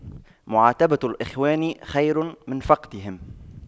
معاتبة الإخوان خير من فقدهم